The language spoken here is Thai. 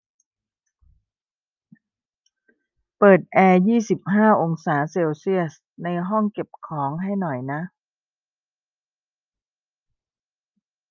เปิดแอร์ยี่สิบห้าองศาเซลเซียสในห้องเก็บของให้หน่อยนะ